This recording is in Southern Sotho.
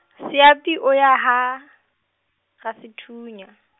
Seapi o ya ha, Rasethunya.